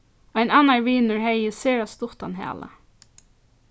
ein annar vinur hevði sera stuttan hala